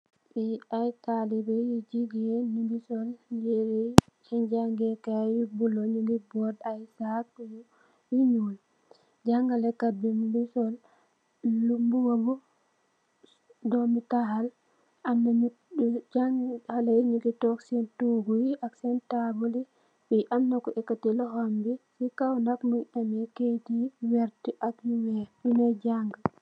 Fee aye talibeh yu jegain nyunge sol yere sen jangekay yu bulo nyunge bote aye sagg yu nuul jagalekate be munge sol muba bu dome tahal amna nu haleh yee nyunge tonke se sen toogu ye ak sen taabul ye fe amna ku ekate lohom be munge se kaw nak munge ameh keyete yu werte ak yu nuul nyunge janga